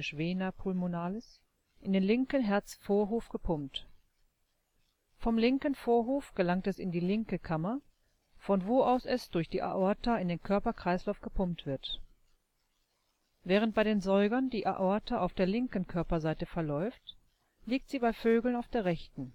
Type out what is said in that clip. Vena pulmonalis) in den linken Herzvorhof gepumpt. Vom linken Vorhof gelangt es in die linke Kammer, von wo aus es durch die Aorta in den Körperkreislauf gepumpt wird. Während bei den Säugern die Aorta auf der linken Körperseite verläuft, liegt sie bei Vögeln auf der rechten